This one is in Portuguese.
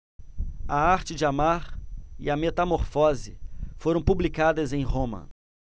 a arte de amar e a metamorfose foram publicadas em roma